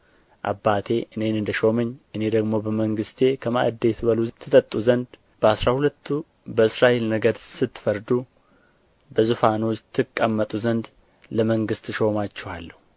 አባቴ እኔን እንደ ሾመኝ እኔ ደግሞ በመንግሥቴ ከማዕዴ ትበሉና ትጠጡ ዘንድ በአሥራ ሁለቱ በእስራኤል ነገድ ስትፈርዱ በዙፋኖች ትቀመጡ ዘንድ ለመንግሥት እሾማችኋለሁ